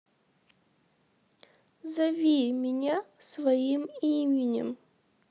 зови меня своим именем